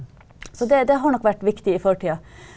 så det det har nok vært viktig fortida.